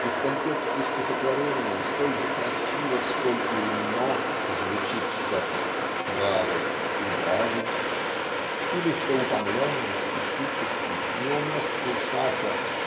и в контексте стихотворения столь же красиво сколько и умно звучит что "травы удавы" или что утомленный скептический неуместный шафер